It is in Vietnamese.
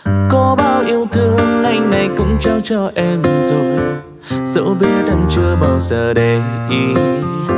có bao yêu thương anh này cũng trao cho em rồi dẫu biết em chưa bao giờ để ý